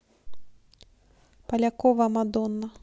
полякова мадонна